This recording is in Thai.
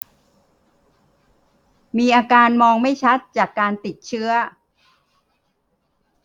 มีอาการมองไม่ชัดจากการติดเชื้อ